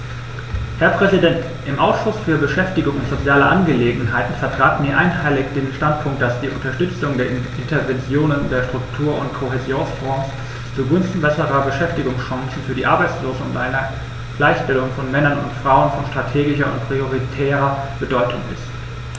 Herr Präsident, im Ausschuss für Beschäftigung und soziale Angelegenheiten vertraten wir einhellig den Standpunkt, dass die Unterstützung der Interventionen der Struktur- und Kohäsionsfonds zugunsten besserer Beschäftigungschancen für die Arbeitslosen und einer Gleichstellung von Männern und Frauen von strategischer und prioritärer Bedeutung ist.